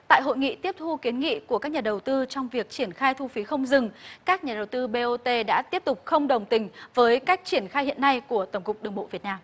tại hội nghị tiếp thu kiến nghị của các nhà đầu tư trong việc triển khai thu phí không dừng các nhà đầu tư bê ô tê đã tiếp tục không đồng tình với cách triển khai hiện nay của tổng cục đường bộ việt nam